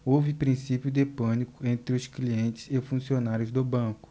houve princípio de pânico entre os clientes e funcionários do banco